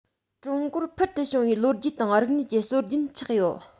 ཀྲུང གོར ཕུལ དུ བྱུང བའི ལོ རྒྱུས དང རིག གནས ཀྱི སྲོལ རྒྱུན ཆགས ཡོད